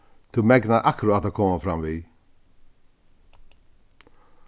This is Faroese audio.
tú megnar akkurát at koma framvið